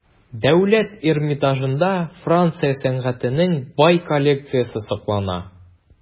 Дәүләт Эрмитажында Франция сәнгатенең бай коллекциясе саклана.